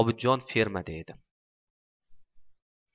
obidjon fermada edi